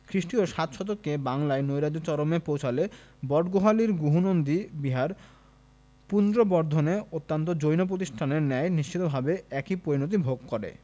খ্রিস্টীয় সাত শতকে বাংলায় নৈরাজ্য চরমে পৌঁছলে বটগোহালীর গুহনন্দী বিহার পুন্ড্রবর্ধনের অন্যান্য জৈন প্রতিষ্ঠানের ন্যায় নিশ্চতভাবে একই পরিণতি ভোগ করে